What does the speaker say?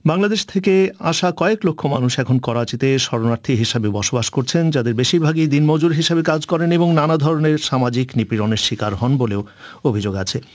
বাংলাদেশ থেকে আসা কয়েক লক্ষ মানুষ এখন করাচী দে শরণার্থী হিসেবে বসবাস করছেন যাদের বেশিরভাগই দিনমজুর হিসেবে কাজ করেন এবং নানা ধরনের সামাজিক নিপিরণের শিকার হন বলেও অভিযোগ আছে